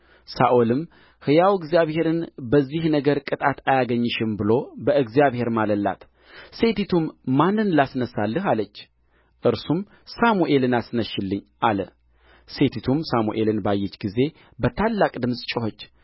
ሳኦልም ሕያው እግዚአብሔርን በዚህ ነገር ቅጣት አያገኝሽም ብሎ በእግዚአብሔር ማለላት ሴቲቱም ማንን ላስነሣልህ አለች እርሱም ሳሙኤልን አስነሽልኝ አለ